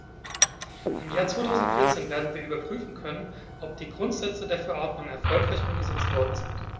Im Jahr 2014 werden wir überprüfen können, ob die Grundsätze der Verordnung erfolgreich umgesetzt worden sind.